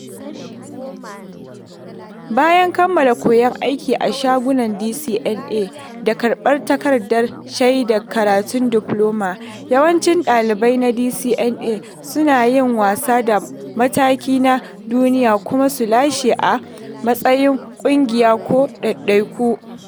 Bayan kammala koyan aiki a shagunan DCMA da karɓar takardar shaidar karatun difloma, yawancin ɗaliban na DCMA su na yin wasa a mataki na duniya kuma su lashe kyaututtuka a matsayin ƙungiya ko ɗaiɗaiku.